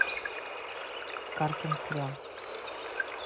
каркин сериал